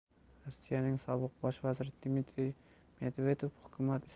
rossiyaning sobiq bosh vaziri dmitriy medvedev hukumat